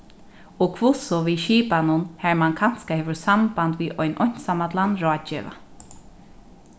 og hvussu við skipanum har mann kanska hevur samband við ein einsamallan ráðgeva